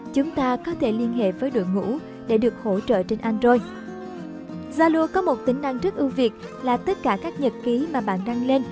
chúng ta có thể liên hệ với đội ngũ để được hỗ trợ trên android zalo có tính năng rất ưu việt là tất cả các nhật ký mà bạn đăng lên